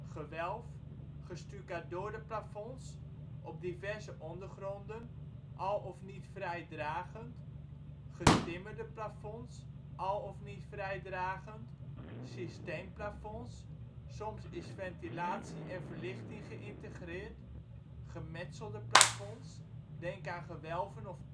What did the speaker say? gewelf; gestucadoorde plafonds, op diverse ondergronden, al of niet vrijdragend; getimmerde plafonds, al of niet vrijdragend; systeemplafonds, soms is ventilatie en verlichting geïntegreerd; gemetselde plafonds, denk aan gewelven of